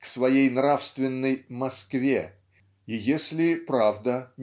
к своей нравственной "Москве" и если правда